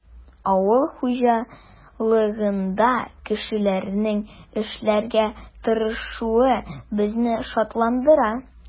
Авыл хуҗалыгында кешеләрнең эшләргә тырышуы безне шатландыра.